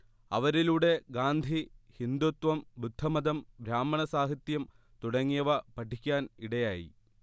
അവരിലുടെ ഗാന്ധി ഹിന്ദുത്വം, ബുദ്ധമതം, ബ്രാഹ്മണ സാഹിത്യം തുടങ്ങിയവ പഠിക്കാൻ ഇടയായി